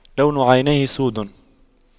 لون عينيه سود